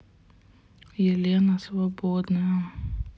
елена свободная